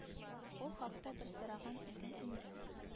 Ул хакта бер сораган идең инде